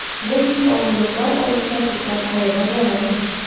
Ләкин авырлыклар алдында туктап калырга ярамый.